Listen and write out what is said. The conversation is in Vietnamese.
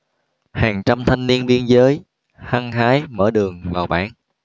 hàng trăm thanh niên biên giới hăng hái mở đường vào bản